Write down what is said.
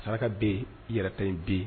Saraka bɛ yɛrɛta in bɛ yen